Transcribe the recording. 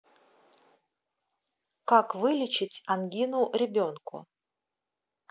как вылечить ангину ребенку